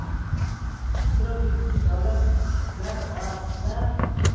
ishtirok etuvchi davlatlar orasida erkin